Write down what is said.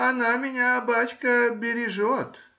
Она меня, бачка, бережет.